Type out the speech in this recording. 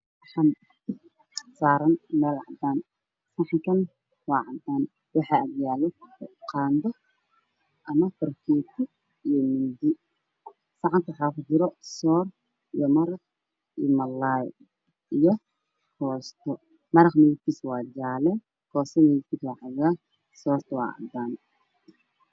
Saxan saaran meel cadaan ah saxankana waa cadaan waxaa agyaalo fargeento iyo midi. Saxanka waxaa kujiro soor, maraq, malaay iyo kooste. Maraqa waa jaale, koostadu waa cagaar, soortuna waa cadaan.